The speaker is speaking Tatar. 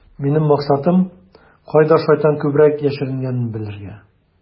Минем максатым - кайда шайтан күбрәк яшеренгәнен белергә.